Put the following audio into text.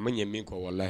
A ma ɲɛn min kɔ walayi.